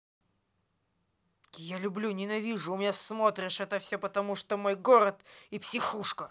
я люблю ненавижу у меня смотришь это все потому что мой город и психушка